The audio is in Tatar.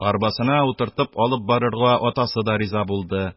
Арбасына утыртып алып барырга атасы да риза булды.